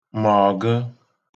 mọ̀ọ̀gə̣